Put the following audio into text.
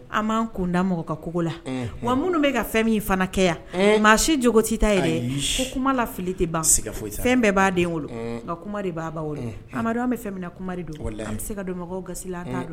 An m'an kunda mɔgɔ ka kogo la unhun wa minnu bɛ ka fɛn min fana kɛ yan unnn maa si jogo t'i ta ye dɛɛ ayi ko kuma la fili tɛ ban sigat'o la fɛn bɛɛ b'a den wolo unnn nka kuma de b'a ba wolo unh Amadu an bɛ fɛn minna kuma de don an bɛ se ka don mɔgɔw gasi la an t'a dɔn.